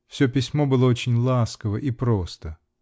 Все письмо было очень ласково и просто.